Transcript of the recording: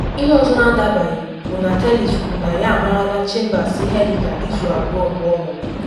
Ihe ọzọ na adabaghị bụ na Tellis kwuru na ya amarala Chambers ihe dị ka izu abụọ mgbe ọ nwụrụ.